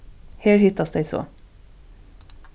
her hittast tey so